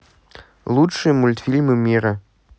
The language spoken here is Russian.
лучшие мультфильмы мира